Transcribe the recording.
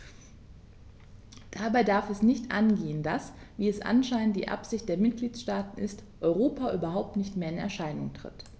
Dabei darf es nicht angehen, dass - wie es anscheinend die Absicht der Mitgliedsstaaten ist - Europa überhaupt nicht mehr in Erscheinung tritt.